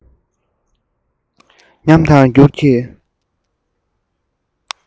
ཉམས དང འགྱུར གྱི